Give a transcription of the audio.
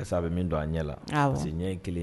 Karisa bɛ min don a ɲɛ la, awɔ, parce que ɲɛ kelen